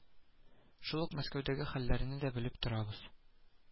Шул ук Мәскәүдәге хәлләрне дә белеп торабыз